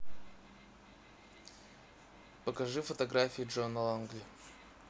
покажи фотографии джона лангли